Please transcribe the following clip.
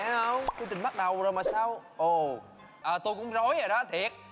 không chương trình bắt đầu rồ mà sao ồ tôi cũng rối rồi đó thiệt